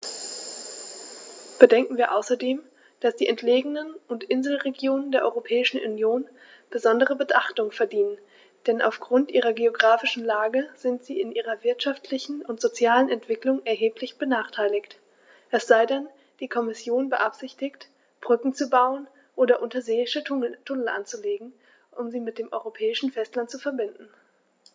Bedenken wir außerdem, dass die entlegenen und Inselregionen der Europäischen Union besondere Beachtung verdienen, denn auf Grund ihrer geographischen Lage sind sie in ihrer wirtschaftlichen und sozialen Entwicklung erheblich benachteiligt - es sei denn, die Kommission beabsichtigt, Brücken zu bauen oder unterseeische Tunnel anzulegen, um sie mit dem europäischen Festland zu verbinden.